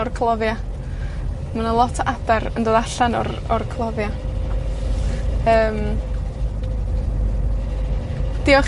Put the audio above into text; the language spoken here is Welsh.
o'r cloddia'. Ma' 'na lot o adar yn dod allan o'r, o'r cloddia. Yym. Diolch